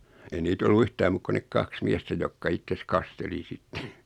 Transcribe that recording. ei niitä ollut yhtään muuta kuin ne kaksi miestä jotka itsensä kasteli sitten